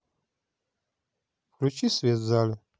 включи свет в зале